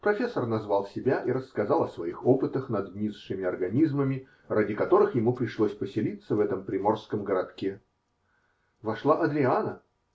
Профессор назвал себя и рассказал о своих опытах над низшими организмами, ради которых ему пришлось поселиться в этом приморском городке. Вошла Адриана.